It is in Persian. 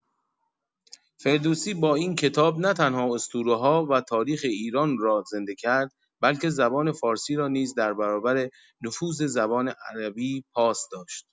فردوسی با این کتاب نه‌تنها اسطوره‌ها و تاریخ ایران را زنده کرد، بلکه زبان فارسی را نیز در برابر نفوذ زبان عربی پاس داشت.